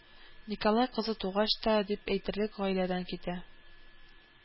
Николай кызы тугач та дип әйтерлек гаиләдән китә